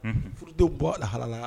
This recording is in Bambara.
Furute bɔ lahala